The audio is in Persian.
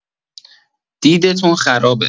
دیدتون خرابه.